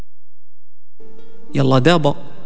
يلا دابا